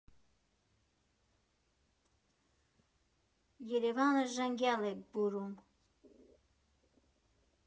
Երևանը ժենգյալ է բուրում։